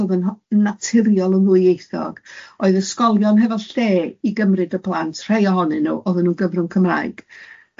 oedd yn naturiol yn ddwyieithog, oedd ysgolion hefo lle i gymryd y plant, rhai ohonyn nhw, oedden nhw'n gyfrwng Cymraeg,